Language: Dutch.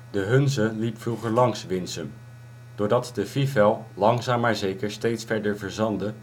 De Hunze liep vroeger langs Winsum. Doordat de Fivel langzaam maar zeker steeds verder verzandde